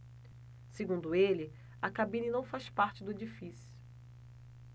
segundo ele a cabine não faz parte do edifício